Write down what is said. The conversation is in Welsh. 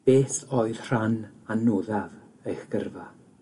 beth oedd rhan anoddaf eich gyrfa?